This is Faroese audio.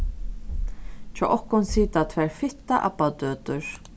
hjá okkum sita tvær fittar abbadøtur